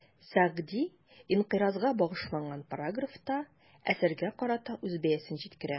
Сәгъди «инкыйраз»га багышланган параграфта, әсәргә карата үз бәясен җиткерә.